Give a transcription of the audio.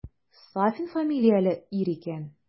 Сафин фамилияле ир икән.